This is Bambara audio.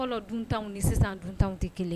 Fɔlɔ duntaw ni sisan duntaw tɛ kelen